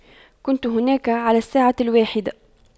كنت هناك على الساعة الواحدة